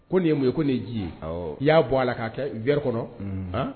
Ko nin ye mun ye ko nin ji ye i y'a bɔ a ala la k'a kɛ vri kɔnɔ